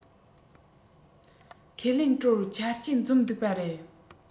ཁས ལེན དྲོར ཆ རྐྱེན འཛོམས འདུག པ རེད